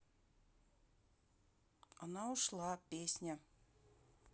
она ушла песня